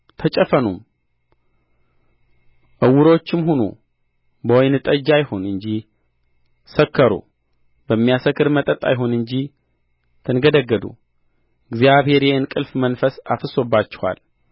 ተጨፈኑም ዕውሮችም ሁኑ በወይን ጠጅ አይሁን እንጂ ሰከሩ በሚያሰክር መጠጥ አይሁን እንጂ ተንገደገዱ እግዚአብሔር የእንቅልፍ መንፈስ አፍስሶባችኋል